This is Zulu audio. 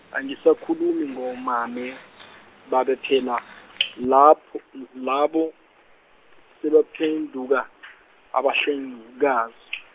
angisakhulumi ngomame babo phela lab- l- l- labo sebaphenduka abahlengikazi.